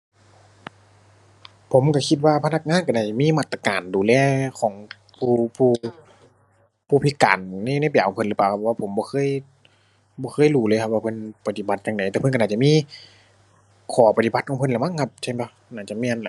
ผมก็คิดว่าพนักงานก็น่าจะมีมาตรการดูแลของผู้ผู้ผู้พิการใน เพิ่นหรือเปล่า เพราะว่าผมบ่เคย บ่เคยรู้เลยครับว่าเพิ่นปฏิบัติจั่งใด แต่เพิ่นก็น่าจะมีข้อปฏิบัติของเพิ่นละมั้งครับ ใช่บ่ น่าจะแม่นล่ะ